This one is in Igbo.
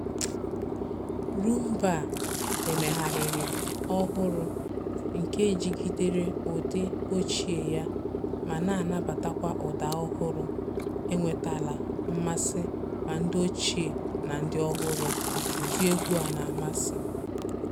Rhumba a emegharịrị ọhụrụ nke jigidere ụdị ochie ya ma na-anabatakwa ụda ọhụrụ enwetaala mmasị ma ndị ochie na ndị ọhụrụ ụdị egwu a na-amasị.